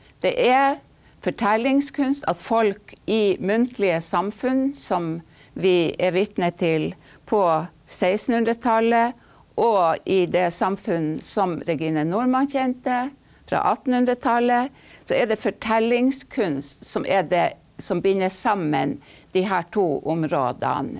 det er fortellingskunst at folk i muntlige samfunn som vi er vitne til på sekstenhundretallet og i det samfunn som Regine Normann kjente fra attenhundretallet, så er det fortellingskunst som er det som binder sammen de her to områdene.